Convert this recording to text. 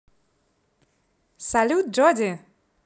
салют джоди